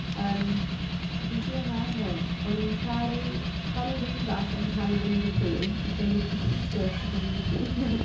yym so fi'n trio meddwl. O'n i'n caru pan o'n i'n rili fach, o'n i'n caru Winnie the Pooh. Oedd gen i The Complete works of Winnie the Pooh .